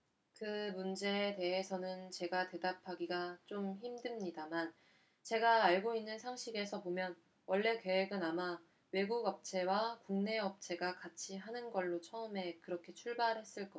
그 문제에 대해서는 제가 대답하기가 좀 힘듭니다만 제가 알고 있는 상식에서 보면 원래 계획은 아마 외국 업체와 국내 업체가 같이 하는 걸로 처음에 그렇게 출발을 했을 거예요